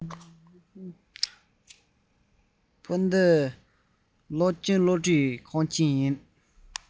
ཕ གི གློག ཅན སློབ ཁྲིད ཁང ཆེན ཡིན